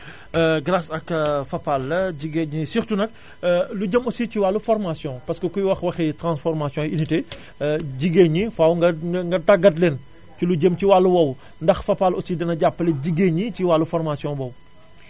grace ak Fapal la jigéen ñi surtout nag lu jëm aussi ci wàllu formation parce que ku wax wax i transformation unité jigéen ñi fàww nga nga tàggat leen ci lu jëm ci wàllu woowu ndax Fapal aussi dina jàppale jigéen ñi ci wàllu formation boobu